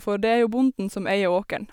For det er jo bonden som eier åkeren.